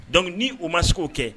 Dɔnkuc ni u ma se'o kɛ